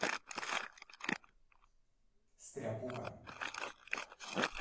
стряпуха